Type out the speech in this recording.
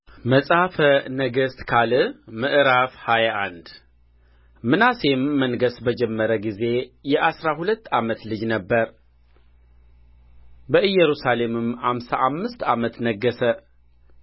መጽሐፈ ነገሥት ካልዕ ምዕራፍ ሃያ አንድ ምናሴም መንገሥ በጀመረ ጊዜ የአሥራ ሁለት ዓመት ልጅ ነበረ በኢየሩሳሌምም አምሳ አምስት ዓመት ነገሠ